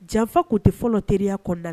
Janfa tun tɛ fɔlɔ teriyada